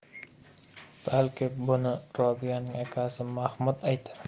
balki buni robiyaning akasi mahmud aytar